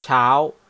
เช้า